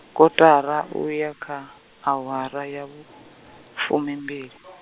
kotara uya kha, awara ya vhu, fumimbili .